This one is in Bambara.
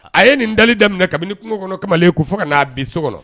A ye nin da daminɛ kabini kungo kɔnɔ kamalen ko fo ka n'a bi so kɔnɔ